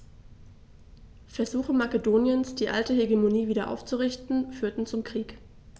Versuche Makedoniens, die alte Hegemonie wieder aufzurichten, führten zum Krieg.